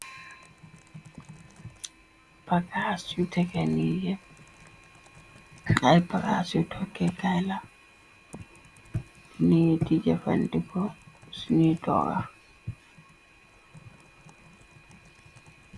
Bagaasi jafadiko ay bagaasi tóóg gee Kai la nit yi di jafandiko si ñoy toga.